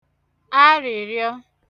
arị̀rịọ